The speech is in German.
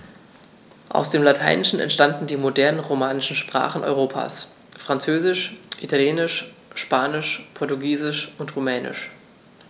Aus dem Lateinischen entstanden die modernen „romanischen“ Sprachen Europas: Französisch, Italienisch, Spanisch, Portugiesisch und Rumänisch.